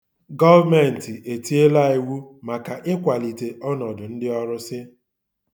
Gọọmentị etiela iwu maka ịkwalite ọnọdụ ndị ọrụsị.